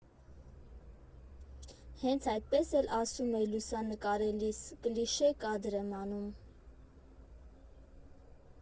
Հենց այդպես էլ ասում էի լուսանկարելիս՝ կլիշե կադր եմ անում։